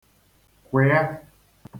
kwụ̀ịa